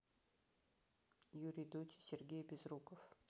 юрий дудь и сергей безруков